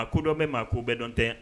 A kodɔn bɛ maa ko bɛɛ dɔn tɛ